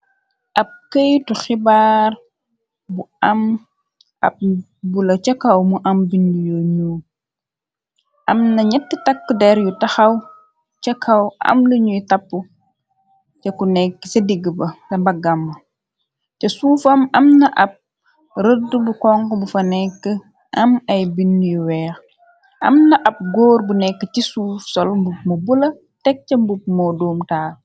Ab keytu xibaar bu am ab bula cakaw mu am bind yu ñu am na ñett takk der yu taxaw cakaw am luñuy tapp ca ku nekk ca digg ba mbaggamm te suufam am na ab rëdd bu kong bu fa nekk am ay bind yu weex am na ab góor bu nekk ci suuf sol mu bula teg ca mbub moo doom taar.